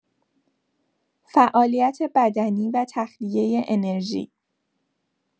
فعالیت بدنی و تخلیه انرژی